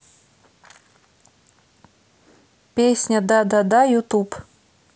песня да да да ютуб